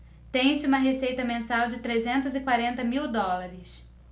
tem-se uma receita mensal de trezentos e quarenta mil dólares